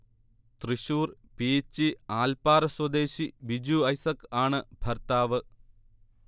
തൃശൂർ പീച്ചി ആൽപ്പാറ സ്വദേശി ബിജു ഐസക് ആണ് ഭർത്താവ്